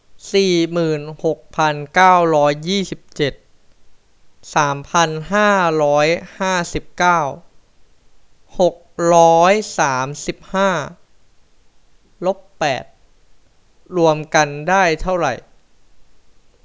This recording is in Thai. สี่หมื่นหกพันเก้าร้อยยี่สิบเจ็ดสามพันห้าร้อยห้าสิบเก้าหกร้อยสามสิบห้าลบแปดรวมกันได้เท่าไหร่